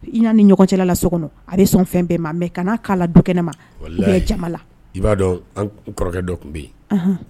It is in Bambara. I n'a ni ɲɔgɔncɛ la so kɔnɔ a bɛ sɔn fɛn bɛɛ ma mais kan'a k'a la dukɛnɛ ma ou bien jama la, walahi, i b'a dɔn kɔrɔkɛ dɔ tun bɛ yen, unhun